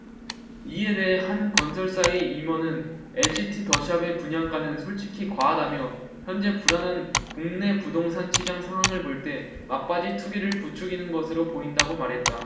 이에 대해 한 건설사의 임원은 엘시티 더샵의 분양가는 솔직히 과하다며 현재 불안한 국내 부동산시장 상황을 볼 때 막바지 투기를 부추기는 것으로 보인다고 말했다